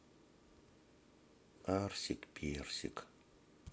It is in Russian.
арсик персик